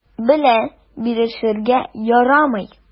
Белә: бирешергә ярамый.